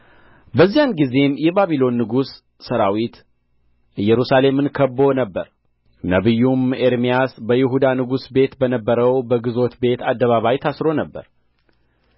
በዚያን ጊዜም የባቢሎን ንጉሥ ሠራዊት ኢየሩሳሌምን ከብቦ ነበር ነቢዩም ኤርምያስ በይሁዳ ንጉሥ ቤት በነበረው በግዞት ቤት አደባባይ ታስሮ ነበር